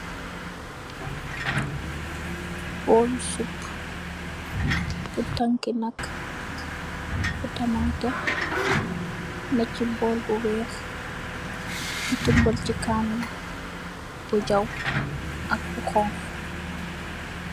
Bool lu soup bu tanki naak, bu tamatè nèchi bool bu weeh nu tambal ci kanè bu jaw ak bu honku.